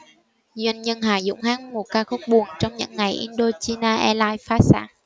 doanh nhân hà dũng hát một ca khúc buồn trong những ngày indochina airlines phá sản